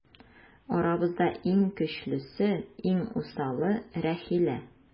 Арабызда иң көчлесе, иң усалы - Рәхилә.